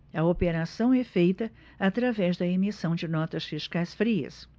a operação é feita através da emissão de notas fiscais frias